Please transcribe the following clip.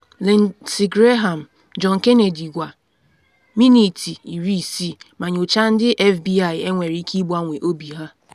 Lindsey Graham, John Kennedy gwa “60 minutes” ma nyocha ndị FBI enwere ike ịgbanwe obi ha